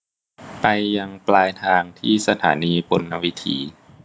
ไปยังปลายทางที่สถานีปุณณวิถี